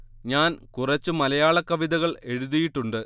ഞാൻ കുറച്ച് മലയാള കവിതകൾ എഴുതിയിട്ടുണ്ട്